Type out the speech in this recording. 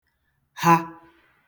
ha